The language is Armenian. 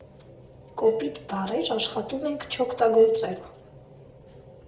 Կոպիտ բառեր աշխատում ենք չօգտագործել։